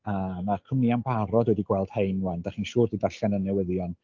yy ma'r cwmnïau'n barod wedi gweld hein ŵan da chi'n siŵr 'di darllen y newyddion